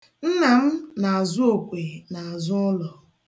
Nna m na-azụ okwe n'azụụlọ.